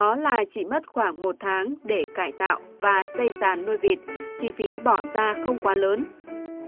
đó là chỉ mất khoảng một tháng để cải tạo và xây sản nuôi vịt chi phí bỏ ra không quá lớn